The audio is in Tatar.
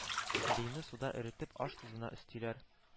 Лийны суда эретеп аш тозына өстиләр